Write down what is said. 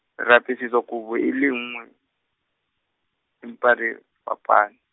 re apesetswa- kobo e le nngwe, empa re fapane.